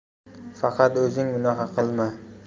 faqat o'zing unaqa qilma